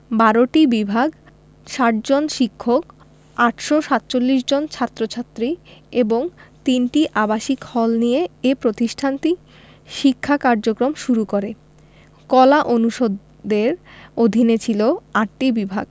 ১২টি বিভাগ ৬০ জন শিক্ষক ৮৪৭ জন ছাত্র ছাত্রী এবং ৩টি আবাসিক হল নিয়ে এ প্রতিষ্ঠানটি শিক্ষা কার্যক্রম শুরু করে কলা অনুষদের অধীনে ছিল ৮টি বিভাগ